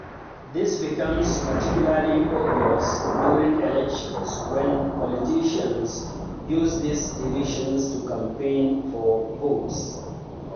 This becomes particularly obvious during elections when politicians use these divisions to campaign for votes.